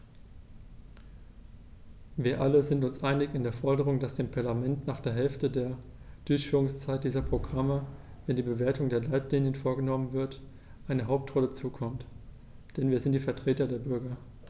Wir alle sind uns einig in der Forderung, dass dem Parlament nach der Hälfte der Durchführungszeit dieser Programme, wenn die Bewertung der Leitlinien vorgenommen wird, eine Hauptrolle zukommt, denn wir sind die Vertreter der Bürger.